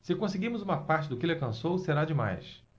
se conseguirmos uma parte do que ele alcançou será demais